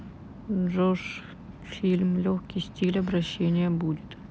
john фильм легкий стиль обращения будет